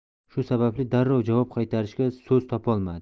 shu sababli darrov javob qaytarishga so'z topolmadi